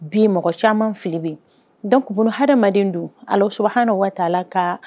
Bi mɔgɔ caman fili be . Donc bune hadamaden dun Alahu subahana waata la ka